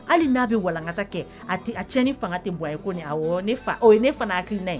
Hali na bi walankata kɛ, a cɛnni fanga tɛ bonya i ko ni. Awɔ ne fa ,.o ye ne fana hakilikiina ye.